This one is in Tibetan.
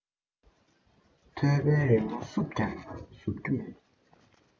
ཐོད པའི རི མོ བསུབས ཀྱང ཟུབ རྒྱུ མེད